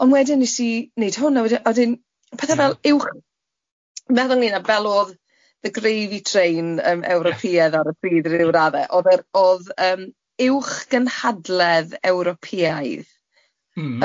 Ond wedyn nes i wneud hwn a wedyn a wedyn pethe fel uwch- meddwl i na fel o'dd the gravy train yym Ewropeaidd ar y pryd ryw radde, odd yr odd yym uwch-gynhadledd Ewropeaidd... Hmm.